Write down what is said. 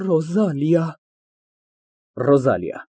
Ռոզալիա… ՌՈԶԱԼԻԱ ֊